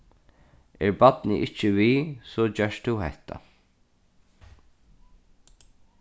er barnið ikki við so gert tú hetta